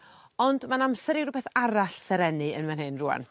Ond ma'n amser i rwbeth arall serenni yn fan hyn rŵan.